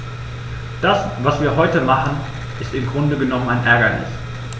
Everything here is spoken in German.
Das, was wir heute machen, ist im Grunde genommen ein Ärgernis.